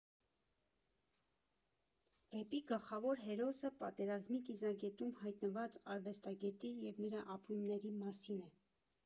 Վեպի գլխավոր հերոսը պատերազմի կիզակետում հայտնված արվեստագետի և նրա ապրումների մասին է։